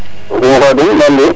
naan mbi'u